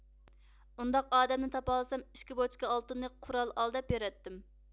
ئۇنداق ئادەمنى تاپالىسام ئىككى بوچكا ئالتۇننى قورال ئال دەپ بېرەتتىم